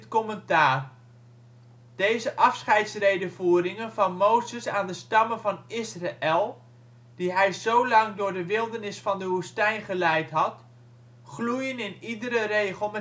commentaar: Deze afscheidsredevoeringen van Mozes aan de stammen van Israël, die hij zo lang door de wildernis van de woestijn geleid had, " gloeien in iedere regel